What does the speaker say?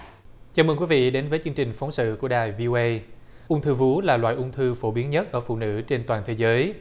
chào mừng quý vị đến với chương trình phóng sự của đài vi ô ây ung thư vú là loại ung thư phổ biến nhất ở phụ nữ trên toàn thế giới